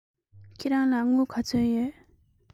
ཁྱེད རང ལ དངུལ ག ཚོད ཡོད